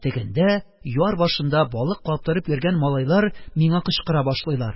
Тегендә, яр башында балык каптырып йөргән малайлар миңа кычкыра башлыйлар: